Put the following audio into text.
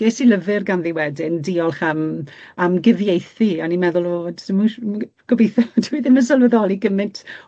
ges i lyfyr ganddi wedyn diolch am am gyfieithu a o'n i'n meddwl o dwi'm yn si- m- gy- gobeithio dyw 'i ddim yn sylweddoli gymint